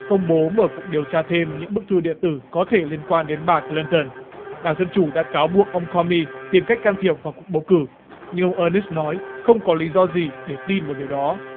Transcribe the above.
công bố mở cuộc điều tra thêm những bức thư điện tử có thể liên quan đến bà cờ lin tơn đảng dân chủ đã cáo buộc ông co mi tìm cách can thiệp vào cuộc bầu cử như ông ơ nớt nói không có lý do gì để tin vào điều đó